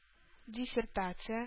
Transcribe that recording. Диссертация